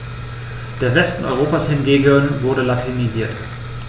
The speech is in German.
Der Westen Europas hingegen wurde latinisiert.